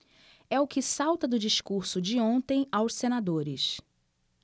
é o que salta do discurso de ontem aos senadores